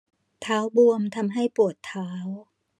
เท้าบวมทำให้ปวดเท้า